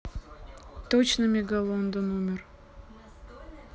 точно мегалодон умер